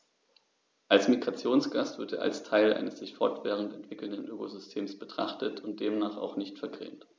Als Migrationsgast wird er als Teil eines sich fortwährend entwickelnden Ökosystems betrachtet und demnach auch nicht vergrämt.